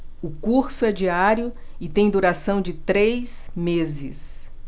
o curso é diário e tem duração de três meses